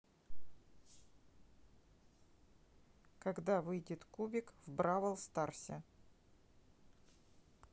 когда выйдет кубик в бравл старсе